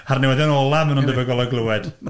A'r newyddion ola maen nhw'n debygol o glywed .